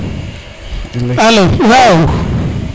alo waaw